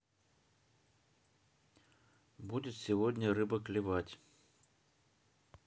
будет сегодня рыба клевать